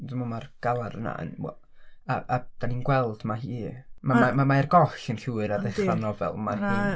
Dwi'n meddwl mae'r galar yna yn wel... a a dan ni'n gweld ma' hi, ma' ma' ma' ma' hi ar goll yn llwyr a ddechrau'r nofel, ma' hi'n...